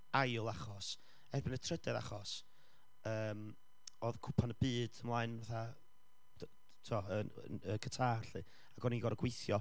ail achos, erbyn y trydedd achos, yym, oedd cwpan y byd ymlaen fatha, tibod yn yy Qatar 'lly, ac o'n i'n gorfod gweithio.